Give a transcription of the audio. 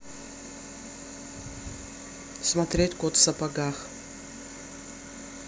смотреть кот в сапогах